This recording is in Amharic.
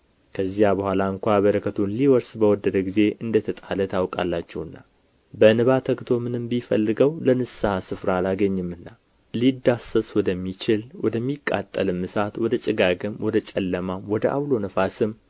ከዚያ በኋላ እንኳ በረከቱን ሊወርስ በወደደ ጊዜ እንደ ተጣለ ታውቃላችሁና በእንባ ተግቶ ምንም ቢፈልገው ለንስሐ ስፍራ አላገኘምና ሊዳሰስ ወደሚችል ወደሚቃጠልም እሳት ወደ ጭጋግም ወደ ጨለማም ወደ ዐውሎ ነፋስም